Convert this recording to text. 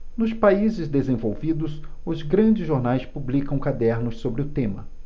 nos países desenvolvidos os grandes jornais publicam cadernos sobre o tema